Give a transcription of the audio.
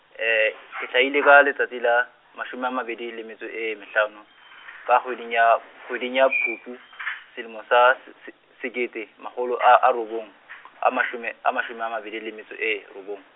ke hlahile ka letsatsi la, mashome a mabedi le metso e mehlano, ka kgweding ya, kgweding ya Phupu selemo sa, s- se-, sekete makgolo a, a robong a mashome, a mashome a mabedi le metso e robong.